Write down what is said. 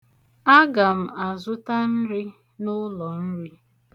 Aga m azụta nri n'ụlọnri.